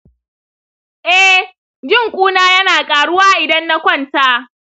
eh, jin ƙuna yana ƙaruwa idan na kwanta.